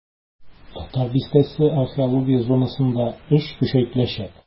"татар бистәсе" археология зонасында эш көчәйтеләчәк.